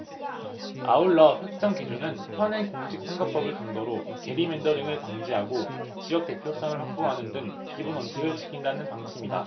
아울러 획정 기준은 현행 공직선거법을 근거로 게리맨더링을 방지하고 지역대표성을 확보하는 등 기본 원칙을 지킨다는 방침이다